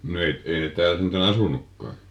no ei ei ne täällä sentään asunut kai